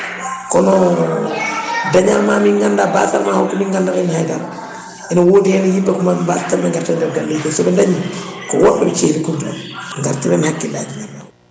kono dañalma min ganda baasal ma holko min gandata hen haydara ene wodi hen yimɓe ko noon mbayata tan no guertoɗe e nde galleji ni sooɓe dañi ko woɓɓe ɓe kewi tottude gartiron hakkillaji mon